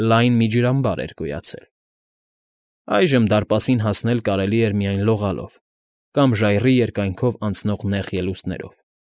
Լայն մի ջրամբար էր գոյացել։ Այժմ դարպասին հասնել կարելի էր միայն լողալով կամ ժայռի երկայնքով անցնող նեղ ելուստնեորվ։